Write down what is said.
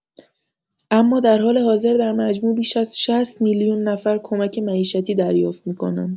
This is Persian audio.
اما در حال حاضر در مجموع بیش از ۶۰ میلیون نفر کمک معیشتی دریافت می‌کنند.